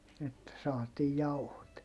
että saatiin jauhot